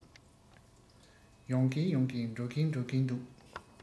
ཡོང གིན ཡོང གིན འགྲོ གིན འགྲོ གིན འདུག